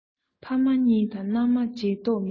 ཕ མ གཉིས དང མནའ མ བརྗེ མདོག མེད